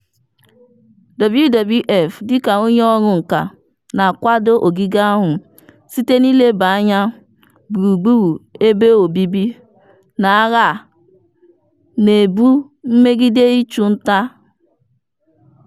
WWF dịka onye ọrụ nka na-akwado ogige ahụ site na nleba anya gburugburu ebe obibi n'agha a na-ebu megide ịchụ nta.